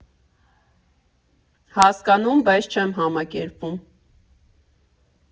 Հասկանում, բայց չեմ համակերպվում։